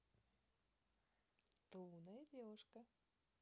ты умная девушка